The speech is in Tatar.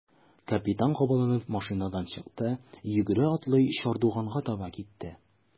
Капитан кабаланып машинадан чыкты, йөгерә-атлый чардуганга таба китте.